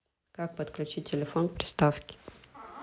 как подключить телефон к приставке